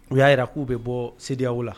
U y'a jira k'u bɛ bɔ CEDEAO la.